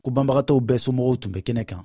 ko banbagatɔ bɛɛ somɔgɔw tun bɛ kɛnɛ kan